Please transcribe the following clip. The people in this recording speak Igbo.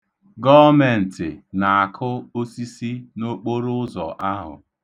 Gọọmentị na-akụ osisi n'okporo ụzọ ahụ.